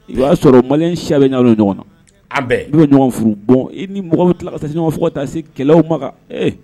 O y'a sɔrɔ mali si bɛ ɲa ɲɔgɔn na an bɛɛ ɲɔgɔn furu dɔn i ni mɔgɔ tila ɲɔgɔn fɔ taa se kɛlɛ ma kan ee